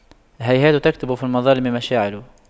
هيهات تكتم في الظلام مشاعل